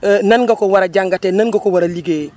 lan nga ko war a jàngatee nan nga ko war a liggéeyee